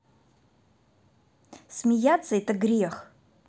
смеяться это грех